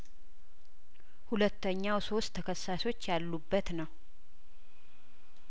ሁለተኛው ሶስት ተከሳሾች ያሉበት ነው